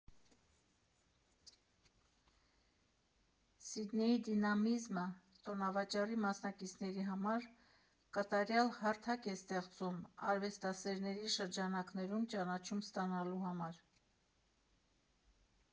Սիդնեյի դինամիզմը տոնավաճառի մասնակիցների համար կատարյալ հարթակ է ստեղծում արվեստասերների շրջանակներում ճանաչում ստանալու համար։